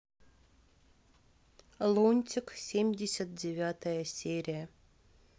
лунтик семьдесят девятая серия